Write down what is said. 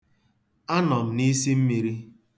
Anọ m n'isimmiri.